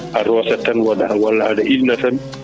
a rosat tan walla aɗa illna tan